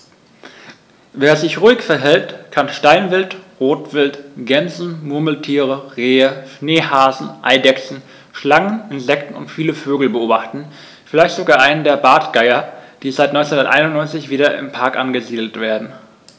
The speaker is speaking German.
Wer sich ruhig verhält, kann Steinwild, Rotwild, Gämsen, Murmeltiere, Rehe, Schneehasen, Eidechsen, Schlangen, Insekten und viele Vögel beobachten, vielleicht sogar einen der Bartgeier, die seit 1991 wieder im Park angesiedelt werden.